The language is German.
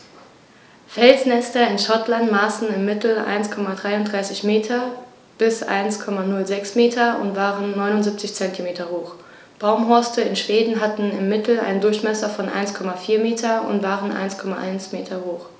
Felsnester in Schottland maßen im Mittel 1,33 m x 1,06 m und waren 0,79 m hoch, Baumhorste in Schweden hatten im Mittel einen Durchmesser von 1,4 m und waren 1,1 m hoch.